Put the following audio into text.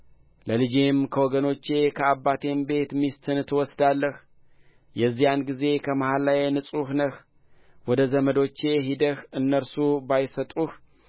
ለልጄም ከወገኖቼ ከአባቴም ቤት ሚስትን ትወስዳለህ የዚያን ጊዜ ከመሐላዬ ንጹሕ ነህ ወደ ዘመዶቼ ሄደህ እነርሱ ባይሰጡህ